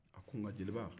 nka jeliba